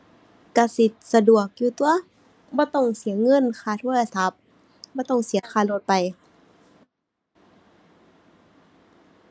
ก็สิสะดวกอยู่ตั่ว บ่ต้องเสียเงินค่าโทรศัพท์ บ่ต้องเสียค่ารถไป